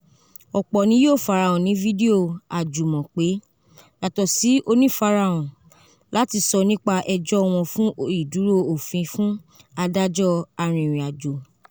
ọpọ ni yoo farahan ni fidio ajumọ pe, yatọsi onifarahan, lati sọ nipa ẹjọ wọn fun iduro ofin fun adajọ arinrinajo.